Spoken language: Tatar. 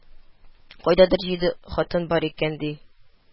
"кайдадыр җиде хатын бар икән, ди